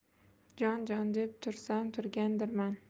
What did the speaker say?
jon jon deb tursam turgandirman